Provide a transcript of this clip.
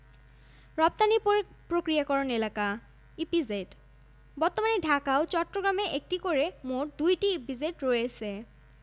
বাংলাদেশের অধিকাংশ স্থানেই ভূ জল পৃষ্ঠ ভূ পৃষ্ঠের খুব কাছাকাছি অবস্থান করে এবং বৎসরের বিভিন্ন সময় এর গভীরতা উঠানামা করে